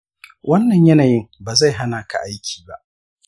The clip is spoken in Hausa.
wannan yanayin ba zai hana ka aiki ba.